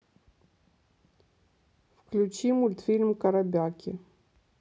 включи мультфильм коробяки